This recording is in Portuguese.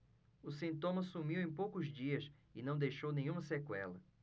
o sintoma sumiu em poucos dias e não deixou nenhuma sequela